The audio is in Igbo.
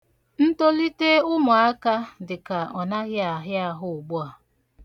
Ntolite ụmụaka dịka ọ naghị ahịa ahụ ugbu a.